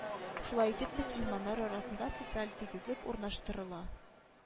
Шулай итеп мөселманнар арасында социаль тигезлек урнаштырыла